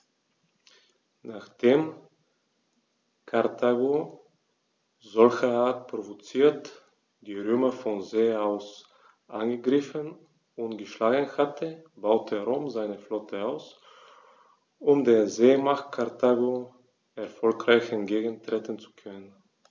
Nachdem Karthago, solcherart provoziert, die Römer von See aus angegriffen und geschlagen hatte, baute Rom seine Flotte aus, um der Seemacht Karthago erfolgreich entgegentreten zu können.